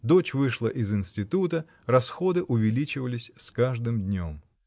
дочь вышла из института, расходы увеличивались с каждым днем.